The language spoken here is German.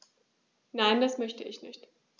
Nein, das möchte ich nicht.